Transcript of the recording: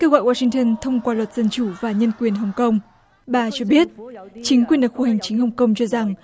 kêu gọi goa sinh tơn thông qua luật dân chủ và nhân quyền hồng công bà cho biết chính quyền đặc khu hành chính hồng công cho rằng